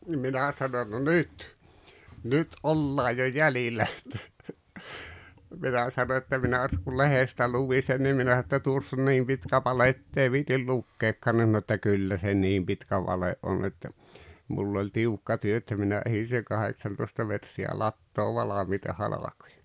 niin minä sanoin no nyt nyt ollaan jo jäljillä että minä sanoin että minä että kun lehdestä luin sen niin minä sanoin että tuossa on niin pitkä vale että ei viitsi lukeakaan niin sanoi että kyllä se niin pitkä vale on että minulla oli tiukka työ että minä ehdin sen kahdeksantoista metriä latoa valmiita halkoja